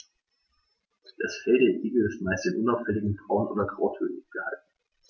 Das Fell der Igel ist meist in unauffälligen Braun- oder Grautönen gehalten.